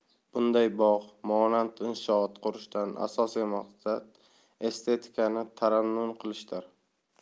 bunday bog' monand inshoot qurishdan asosiy maqsad estetikani tarannum qilishdir